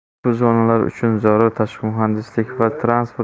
ushbu zonalar uchun zarur tashqi muhandislik va